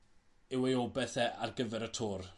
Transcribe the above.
yw ei obeth e ar gyfer y Tour...